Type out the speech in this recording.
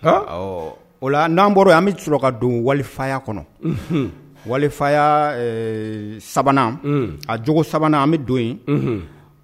Han . Awɔ o la nan bɔra yen an bi sɔrɔ ka don wali fa ya kɔnɔ . Wali fa ya 3 na , Unhun a jogo 3 an an bi don yen .